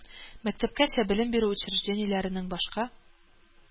Мәктәпкәчә белем бирү учреждениеләренең башка